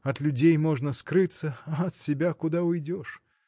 От людей можно скрыться, а от себя куда уйдешь?